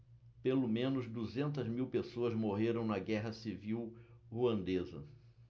pelo menos duzentas mil pessoas morreram na guerra civil ruandesa